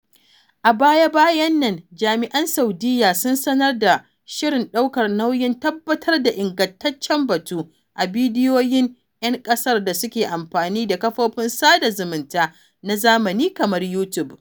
A baya-bayan nan jami'an Saudiyya sun sanar da shirin ɗaukar nauyin tabbatar da ''ingantaccen batu'' a bidiyoyin 'yan ƙasar da suke amfani da kafofin sada zumunta na zamani kamar YouTube.